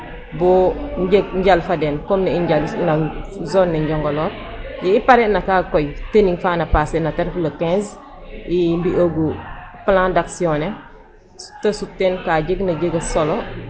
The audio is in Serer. Boo njal fa den comme ne i njalit'ina zone ne Njongolor yee i parena kaaga koy Tening faana passer na ta ref le 15 i mbi'oogu plan "d' action ne ta sut teen ka jegna jeg solo.